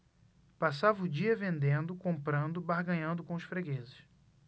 passava o dia vendendo comprando barganhando com os fregueses